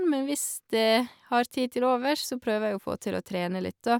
Men hvis jeg har tid til overs, så prøver jeg å få til å trene litt, da.